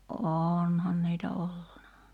onhan niitä ollut